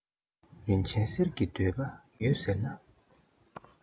རིན ཆེན གསེར གྱི འདོད པ ཡོད ཟེར ན